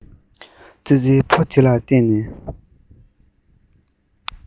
ཙི ཙི ཕོ དེ ལ ཁ གཏད ནས